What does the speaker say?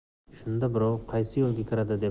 shunda birov qaysi yo'lga kiradi